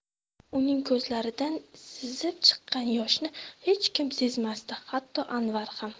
uning ko'zlaridan sizib chiqqan yoshni hech kim sezmasdi hatto anvar ham